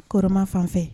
Kɔrɔman fan fɛ .